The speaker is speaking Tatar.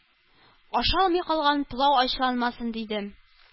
Ашалмый калган пылау ачуланмасын, дидем.